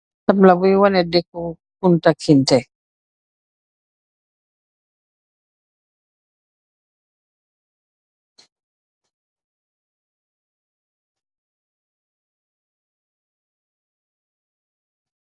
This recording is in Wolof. Tabla bui waneh dëkku Kunta kinteh.